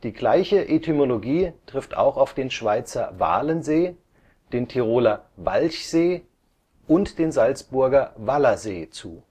gleiche Etymologie trifft auch auf den Schweizer Walensee, den Tiroler Walchsee und den Salzburger Wallersee zu